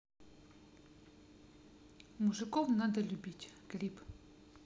мужиков надо любить клип